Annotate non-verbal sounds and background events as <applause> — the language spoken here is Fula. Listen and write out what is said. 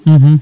<hesitation> <hesitation>